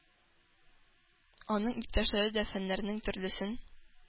Анын иптәшләре дә фәннәрнең, төрлесен,